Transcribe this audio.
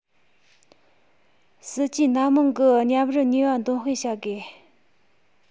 སྲིད ཇུས སྣ མང གི མཉམ རུབ ནུས པ འདོན སྤེལ བྱ དགོས